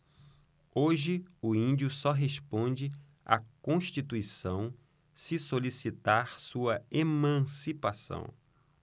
hoje o índio só responde à constituição se solicitar sua emancipação